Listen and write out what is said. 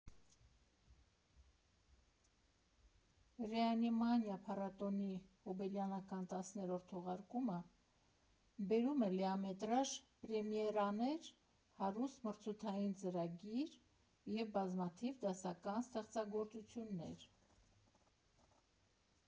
ՌեԱնիմանիա փառատոնի հոբելյանական՝ տասներորդ թողարկումը բերում է լիամետրաժ պրեմիերաներ, հարուստ մրցութային ծրագիր և բազմաթիվ դասական ստեղծագործություններ։